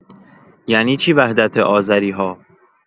یعنی چی وحدت آذری‌ها؟